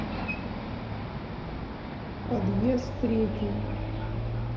подъезд третий